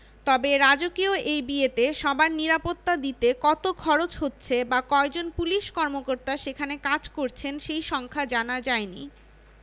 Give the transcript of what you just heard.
তবে রাজকীয় এই বিয়েতে সবার নিরাপত্তা দিতে কত খরচ হচ্ছে বা কয়জন পুলিশ কর্মকর্তা সেখানে কাজ করছেন সেই সংখ্যা জানা যায়নি